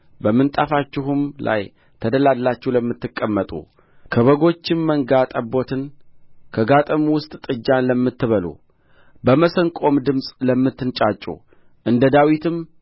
በምንጣፋችሁም ላይ ተደላድላችሁ ለምትቀመጡ ከበጎችም መንጋ ጠቦትን ከጋጥም ውስጥ ጥጃን ለምትበሉ በመሰንቆም ድምፅ ለምትንጫጩ እንደ ዳዊትም